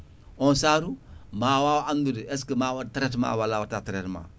on saatu ma waw andude est ce que ma wat traitement walla a watta traitement